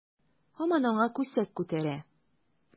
Һаман аңа күсәк күтәрә.